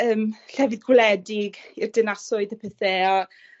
yym llefydd gwledig i'r dinasoedd a pethe a